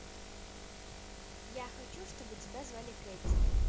я хочу чтобы тебя звали кэти